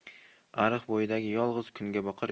ariq bo'yidagi yolg'iz kungaboqar